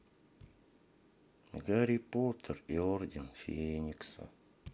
гарри поттер и орден феникса